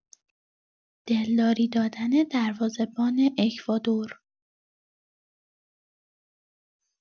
دلداری دادن دروازه‌بان اکوادور